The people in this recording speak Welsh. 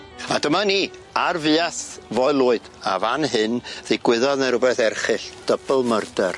A dyma ni ar fuath Foel Lwyd a fan hyn ddigwyddodd 'ne rwbeth erchyll double murder.